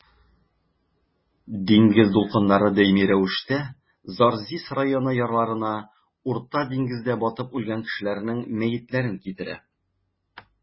Диңгез дулкыннары даими рәвештә Зарзис районы ярларына Урта диңгездә батып үлгән кешеләрнең мәетләрен китерә.